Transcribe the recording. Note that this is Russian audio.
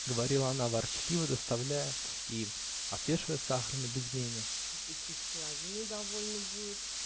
-- говорила она ворчливо, доставая и отвешивая сахар на безмене, -- и три с половиною довольно будет.